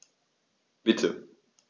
Bitte.